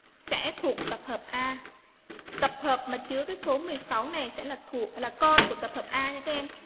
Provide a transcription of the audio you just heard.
sẽ thuộc tập hợp a tập hợp mà chưa cái số này sẽ là thủ là con của tập hợp a các em